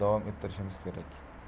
davom ettirishimiz kerak